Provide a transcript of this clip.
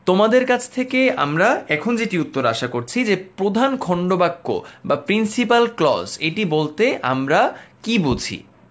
তোমাদের কাছ থেকে আমরা এখন যেটি উত্তর আশা করছি যে প্রধান খণ্ড বাক্য বা প্রিন্সিপাল ক্লজ এটি বলতে আমরা কি বুঝি